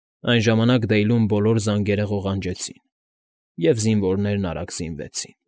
Այդ ժամանակ Դեյլում բոլոր զանգերը ղողանջեցին, և զինվորներն արագ զինվեցին։